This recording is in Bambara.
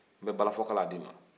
n bɛ balafɔkala d'i ma